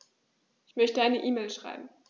Ich möchte eine E-Mail schreiben.